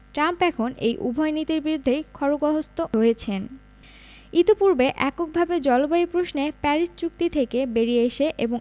Trump এখন এই উভয় নীতির বিরুদ্ধেই খড়গহস্ত হয়েছেন ইতিপূর্বে এককভাবে জলবায়ু প্রশ্নে প্যারিস চুক্তি থেকে বেরিয়ে এসে এবং